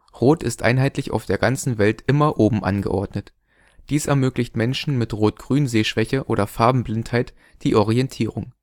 Rot ist einheitlich auf der ganzen Welt immer oben angeordnet. Dies ermöglicht Menschen mit Rot-Grün-Sehschwäche oder Farbenblindheit die Orientierung